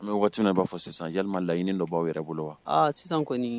Mɛ bɛ waati min b'a fɔ sisan yalima laɲiniini dɔ bawaw yɛrɛ bolo wa aa sisan kɔni